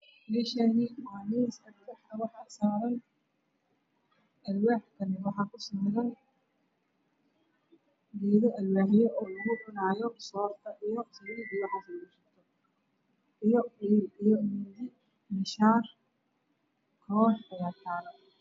Meeshaan waa miis alwaax ah waxaa saaran alwaax waxaa kusawiran geedo alwaaxyo oo lugu cunaayo soorta. Shaar iyo koor ayaa taalo.